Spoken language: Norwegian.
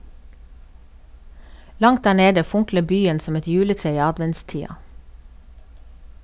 Langt der nede funkler byen som et juletre i adventstida.